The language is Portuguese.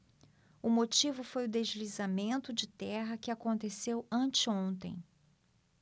o motivo foi o deslizamento de terra que aconteceu anteontem